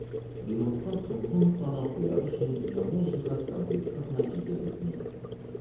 Ремонтка соңгы ноктаны куяр өчен яңа җиһаз комплекты гына җитеп бетми.